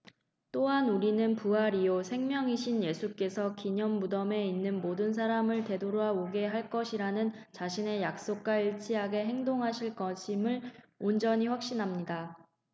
또한 우리는 부활이요 생명이신 예수께서 기념 무덤에 있는 모든 사람을 되돌아오게 할 것이라는 자신의 약속과 일치하게 행동하실 것임을 온전히 확신합니다